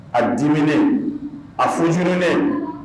A diminaen a fuurrlen